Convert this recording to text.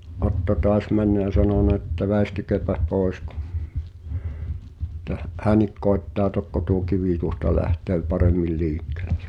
Otto taas mennyt ja sanonut että väistykääpä pois - että - hänkin koettaa tokko tuo kivi tuosta lähtee paremmin liikkeelle